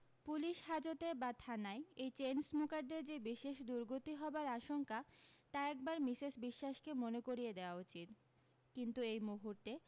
police হাজতে বা থানায় এই চেন স্মোকারদের যে বিশেষ দুর্গতি হবার আশঙ্কা তা একবার মিসেস বিশ্বাসকে মনে করিয়ে দেওয়া উচিত কিন্তু এই মূহুর্তে